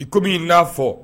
Iko' i n'a fɔ